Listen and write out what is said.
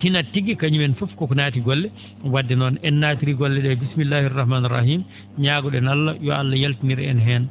tinat tigi kañum en fof koko naati golle wadde noon en naatiri golle ?ee bisimillahi irahmani irahimi ñaago?en Allah yo Allah yaltinir en heen